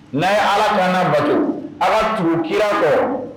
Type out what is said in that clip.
N'a ye ala kana bato ala tugu kira kɔ